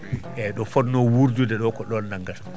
eeyi ɗo fotnoo wuurdude ɗo ko ɗon nanngata